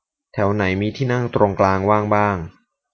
แถวไหนมีที่นั่งตรงกลางว่างบ้าง